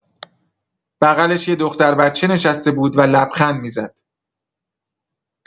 بغلش یه دختر بچه نشسته بود و لبخند می‌زد.